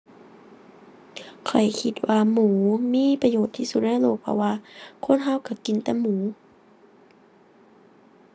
ข้อยคิดว่าหมูมีประโยชน์ที่สุดในโลกเพราะว่า คนเราเรากินแต่หมู